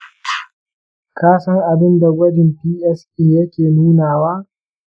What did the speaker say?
ka san abin da gwajin psa yake aunawa?